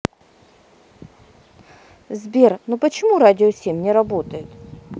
сбер ну почему радио семь не работает